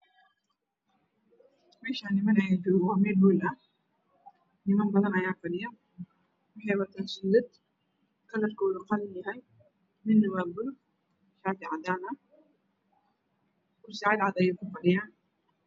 Meeshaan niman ayaa joogo waa meel hool ah niman badan ayaa joogo waxay wataan suudad kalarkooda qalin yahay midna waa bulug shati cadaan ah kursiyal cad cad ah ayay ku fa dhiyaan